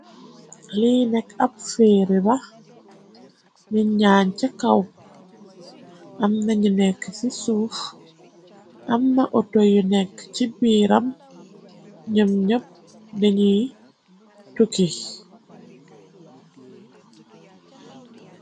Lii nakk ab feeri la ni ñaañ ca kaw am nañu nekk ci suuf am na oto yu nekk ci biiram ñoom ñyëpp dañuy tukki.